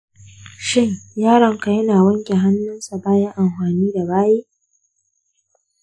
shin yaronka yana wanke hannunsa bayan amfani da bayi?